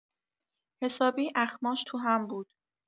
حسابی اخماش تو هم بود.